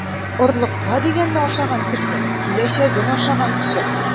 Орлыкка дигәнне ашаган кеше - киләчәген ашаган кеше.